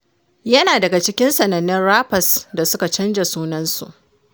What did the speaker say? Yana daga cikin sanannun rappers da suka canza sunansu.